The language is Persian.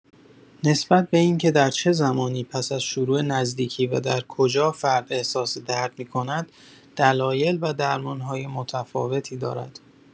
نسبت به اینکه در چه زمانی پس از شروع نزدیکی و در کجا فرد احساس درد می‌کند، دلایل و درمان‌های متفاوتی دارد.